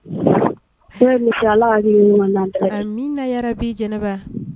Ala ka hakilina ɲuman d'an bɛɛ lajɛlen na, Amina yarabi Jɛnɛba.